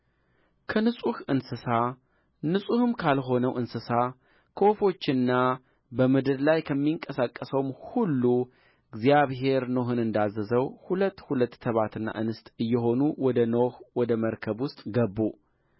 ከንጹሕ እንስሳ ንጹሕም ካልሆነው እንስሳ ከወፎችና በምድር ላይ ከሚንቀሳቀሰውም ሁሉ እግዚአብሔር ኖኅን እንዳዘዘው ሁለት ሁለት ተባትና እንስት እየሆኑ ወደ ኖኅ ወደ መርከብ ውስጥ ገቡ